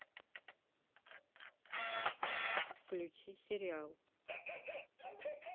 включи сериал